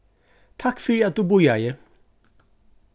takk fyri at tú bíðaði